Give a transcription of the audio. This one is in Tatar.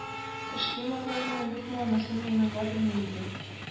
Эшлиме аларның, юкмы – анысын миңнулла белми иде